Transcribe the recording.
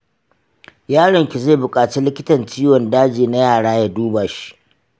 yaron ki zai buƙaci likitan ciwon daji na yara ya duba shi.